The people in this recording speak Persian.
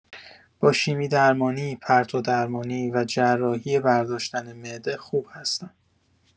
با شیمی‌درمانی، پرتودرمانی، و جراحی برداشتن معده، خوب هستم.